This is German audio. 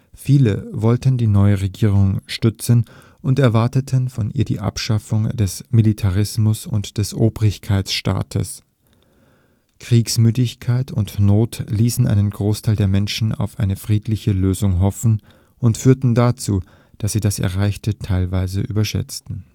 Viele wollten die neue Regierung stützen und erwarteten von ihr die Abschaffung des Militarismus und des Obrigkeitsstaates. Kriegsmüdigkeit und Not ließen einen Großteil der Menschen auf eine friedliche Lösung hoffen und führten dazu, dass sie das Erreichte teilweise überschätzten